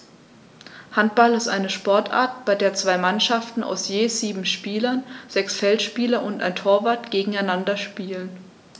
Handball ist eine Sportart, bei der zwei Mannschaften aus je sieben Spielern (sechs Feldspieler und ein Torwart) gegeneinander spielen.